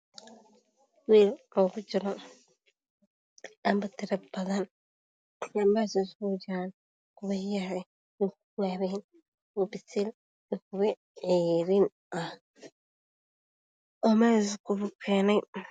Meel uu kujiro ama tiro badan tiriyinkaas oo isku jiri kuwa bisil iyo kuwa cayriinah oo meesha la iskugu keenay